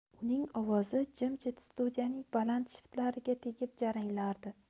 uning ovozi jim jit studiyaning baland shiftlariga tegib jaranglardi